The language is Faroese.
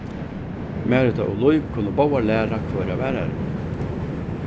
marita og lív kunnu báðar læra hvør av aðrari